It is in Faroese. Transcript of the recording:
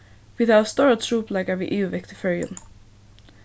vit hava stórar trupulleikar við yvirvekt í føroyum